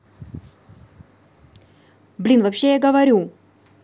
блин вообще я говорю